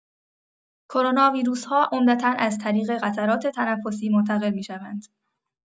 کوروناویروس‌ها عمدتا از طریق قطرات تنفسی منتقل می‌شوند.